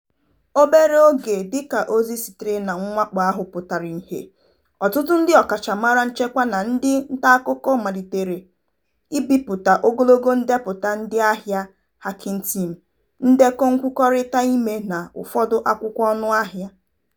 Obere oge dịka ozi sitere na mwakpo ahụ pụtara ìhè, ọtụtụ ndị ọkachamara nchekwa na ndị ntaakụkọ malitere ibipụta ogologo ndepụta ndịahịa Hacking Team, ndekọ nkwukọrịta ime, na ụfọdụ akwụkwọ ọnụahịa.